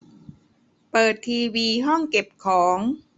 เปิดทีวีห้องเก็บของ